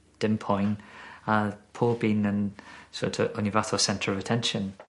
Dim poen. A odd pob un yn so t'o' o'n i fath o center of attention.